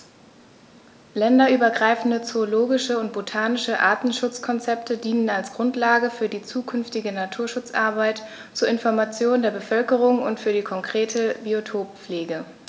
Länderübergreifende zoologische und botanische Artenschutzkonzepte dienen als Grundlage für die zukünftige Naturschutzarbeit, zur Information der Bevölkerung und für die konkrete Biotoppflege.